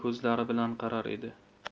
ko'zlari bilan qarar edi